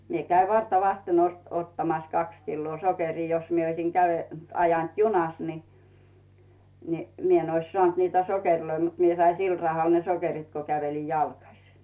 minä kävin vartavasten - ottamassa kaksi kiloa sokeria jos minä olisin - ajanut junassa niin niin minä en olisi saanut niitä sokereita mutta minä sain sillä rahalla ne sokerit kun käveli jalkaisin